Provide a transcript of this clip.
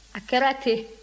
a kɛra ten